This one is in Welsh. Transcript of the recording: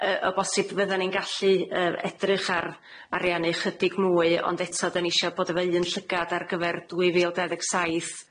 yy o bosib, fyddan ni'n gallu yy edrych ar ariannu chydig mwy. Ond eto 'dan ni isio bod efo un llygad ar gyfer dwy fil dau ddeg saith.